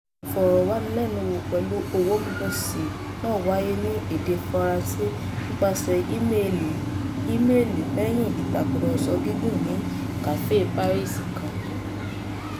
Ìfọ̀rọ̀wánilẹ́nuwò pẹ̀lú Ouabonzi náà wáyé ní èdè Faransé nípasẹ̀ ímeèlì lẹ́yìn ìtàkúrọ̀sọ̀ gígún ní kàféè Paris kan.